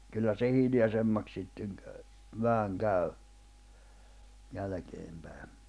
kyllä se hiljaisemmaksi sitten kävi vähän kävi jälkeen päin